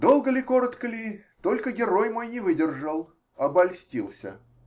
*** "Долго ли, коротко ли", только герой мой не выдержал. Обольстился.